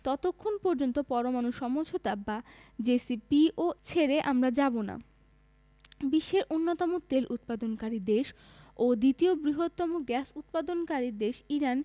ততক্ষণ পর্যন্ত পরমাণু সমঝোতা বা জেসিপিওএ ছেড়ে আমরা যাব না বিশ্বের অন্যতম তেল উৎপাদনকারী দেশ ও দ্বিতীয় বৃহত্তম গ্যাস উৎপাদনকারী দেশ ইরান